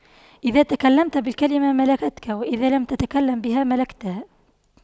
إذا تكلمت بالكلمة ملكتك وإذا لم تتكلم بها ملكتها